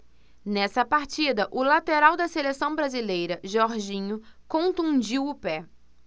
nesta partida o lateral da seleção brasileira jorginho contundiu o pé